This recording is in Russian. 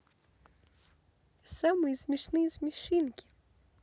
самые смешные смешинки